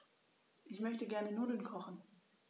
Ich möchte gerne Nudeln kochen.